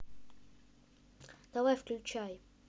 давай включай